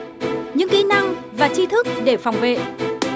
những kĩ năng và chi thức để phòng vệ